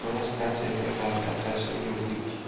kuni stansiyaga g'alla tashib yurdik